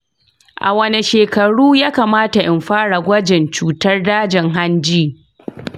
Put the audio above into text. a wane shekaru ya kamata in fara gwajin cutar dajin hanji?